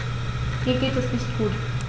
Mir geht es nicht gut.